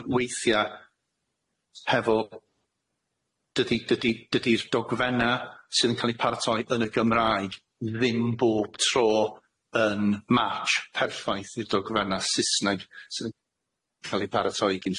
r- weithia hefo dydi dydi dydi'r dogfenna sydd yn ca'l eu paratoi yn y Gymraeg ddim bob tro yn match perffaith i'r dogfenna Sysneg sydd yn ca'l eu paratoi gin